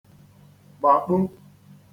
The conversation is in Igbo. gbàkpu